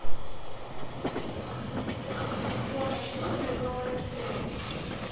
кто такие бредовые темы